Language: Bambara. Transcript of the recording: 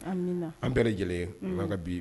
Amina an bɛɛ lajɛlen unn o b'an ka bii